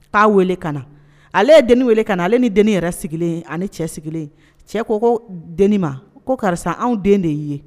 Pa wele kana ale te denni wele kana ale ni dennin yɛrɛ sigilen ani cɛ sigilen cɛ ko ko d dennin ma ko karisa anw den de y'i ye